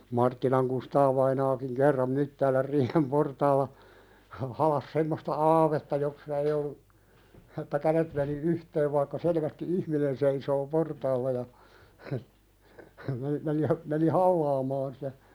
Marttilan Kustaa-vainaakin kerran Myttäälän riihen portaalla - halasi semmoista aavetta jossa ei ollut että kädet meni yhteen vaikka selvästi ihminen seisoo portaalla ja -- meni meni - meni halaamaan sitä